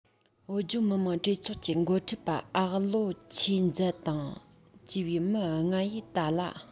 བོད ལྗོངས མི དམངས གྲོས ཚོགས ཀྱི འགོ ཁྲིད པ ཨ བློ ཆོས མཛད དང བཅས པའི མི ལྔ ཡིས ཏཱ ལ